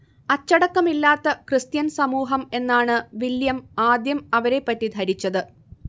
അച്ചടക്കമില്ലാത്ത Christian സമൂഹം എന്നാണ് William ആദ്യം അവരെ പറ്റി ധരിച്ചത്